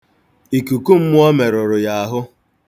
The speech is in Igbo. Ikukummụọ merụrụ ya ahụ.